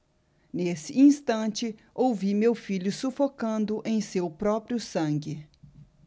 nesse instante ouvi meu filho sufocando em seu próprio sangue